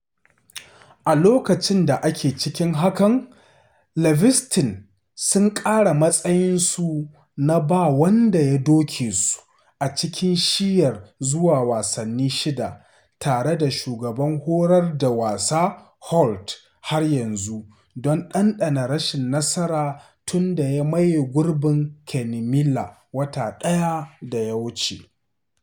A loƙacin da ake ciki hakan, Livinsgton, sun kara matsayinsu na ba wanda ya doke su a cikin shiyyar zuwa wasanni shida, tare da shugaban horar da wasa Holt har yanzu don ɗanɗana rashin nasara tun da ya maye gurbin Kenny Miler wata da ya wuce.